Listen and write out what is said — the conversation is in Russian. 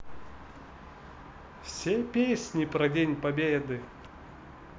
все песни про день победы